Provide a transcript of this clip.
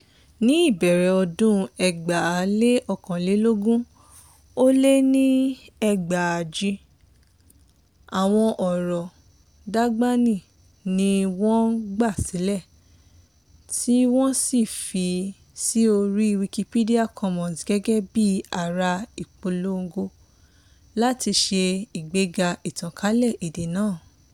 Ní ìbẹ̀rẹ̀ ọdún 2021, ó lé ní 4000 àwọn ọ̀rọ̀ Dagbani ni wọ́n gbà sílẹ̀ tí wọ́n sì fi sí orí Wikimedia Commons gẹ́gẹ́ bíi ara ìpolongo láti ṣe ìgbéga ìtànkálẹ̀ èdè náà